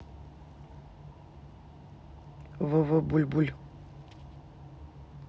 в в буль буль